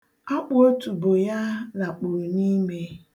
Akpụotubo ya lakpuru n'ime.